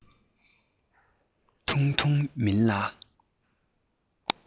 ཐུང ཐུང མིན ལ